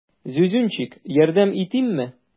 Зюзюнчик, ярдәм итимме?